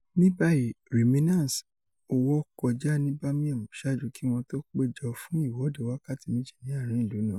Níbàyí, Ramainers wọ́ kọjá ní Birmingham ṣáájú kí wọ́n tó péjọ fún ìwọ́de wákàtí méjì ní àárín ìlú náà.